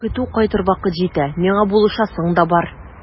Көтү кайтыр вакыт җитә, миңа булышасың да бар.